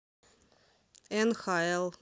нхл